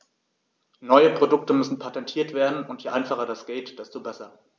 Neue Produkte müssen patentiert werden, und je einfacher das geht, desto besser.